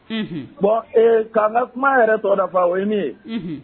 Bɔn kalan kuma yɛrɛ tɔ fa o ye ne ye